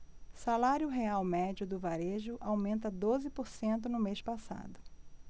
salário real médio do varejo aumenta doze por cento no mês passado